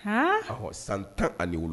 Hannn awɔ san 10 ani wolon